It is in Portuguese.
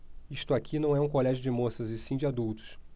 isto aqui não é um colégio de moças e sim de adultos